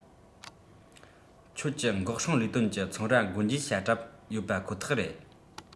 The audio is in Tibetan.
ཁྱོད ཀྱི འགོག སྲུང ལས དོན གྱི ཚོང ར སྒོ འབྱེད བྱ གྲབས ཡོད པ ཁོ ཐག རེད